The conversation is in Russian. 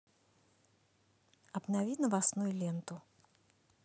обнови новостную ленту